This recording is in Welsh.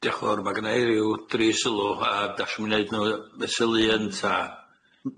Diolch yn fawr ma' gynna i ryw dri sylw yy dachsio mi neud n'w yy fesul un ta?